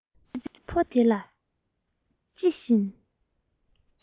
ཙི ཙི ཕོ ལ ཅེར བཞིན